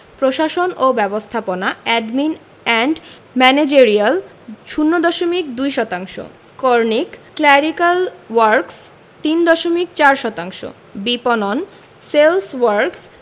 প্রশাসন ও ব্যবস্থাপনা এডমিন এন্ড ম্যানেজেরিয়াল ০ দশমিক ২ শতাংশ করণিক ক্ল্যারিক্যাল ওয়ার্ক্স ৩ দশমিক ৪ শতাংশ বিপণন সেলস ওয়ার্ক্স